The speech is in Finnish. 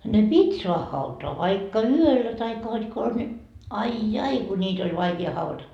ne piti saada hautaan vaikka yöllä tai hod konsa niin ai ai kun niitä oli vaikea haudata